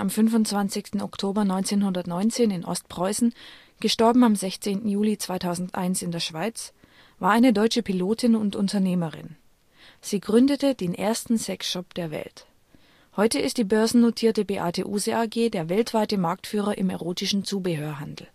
25. Oktober 1919 in Cranz, Ostpreußen, † 16. Juli 2001 in der Schweiz) war eine deutsche Pilotin und Unternehmerin. Sie gründete den ersten Sex-Shop der Welt. Heute ist die börsennotierte Beate Uhse AG der weltweite Marktführer im erotischen " Zubehörhandel